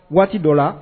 Waati dɔ la